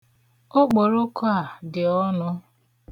Okporoko a dị ọnụ.